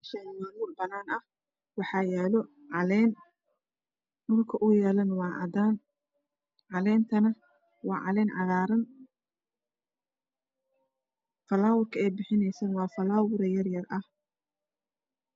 Meshaniw aa hool baanan aha waxa ayala caleen dhulka uu yalana waa dhul cades ah caleen tanaw aa caleen cagaaran falaa warka eybixineesanwaa falaawar yarayar ah